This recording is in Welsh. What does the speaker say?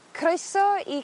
Croeso i...